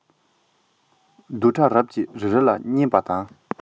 རྡུལ ཕྲ རབ ཀྱིས རི རབ ལ བསྙེགས པ དང